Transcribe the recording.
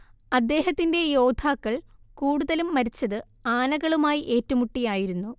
അദ്ദേഹത്തിന്റെ യോദ്ധാക്കൾ കൂടുതലും മരിച്ചത് ആനകളുമായി ഏറ്റുമുട്ടിയായിരുന്നു